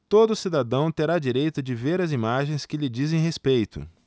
todo cidadão terá direito de ver as imagens que lhe dizem respeito